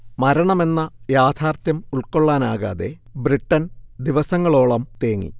മരണമെന്ന യാഥാർഥ്യം ഉൾക്കൊള്ളാനാകാതെ, ബ്രിട്ടൻ ദിവസങ്ങളോളം തേങ്ങി